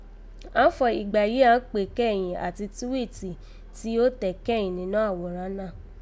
Àán fọ̀ ìgbà yìí a kpè é kẹ́yìn àti túwíìtì tí ó tẹ̀ kẹ́yìn ninọ́ àwòrán náà